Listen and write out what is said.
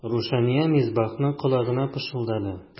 Рушания Мисбахның колагына пышылдады.